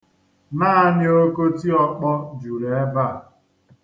Naanị okotiọ̄kpọ̄ juru egbe a.